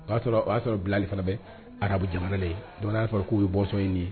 O y'a sɔrɔ o y'a sɔrɔ bilali fanabɛ a kabu jamanalen y'a sɔrɔ k'u ye bɔsɔn in de ye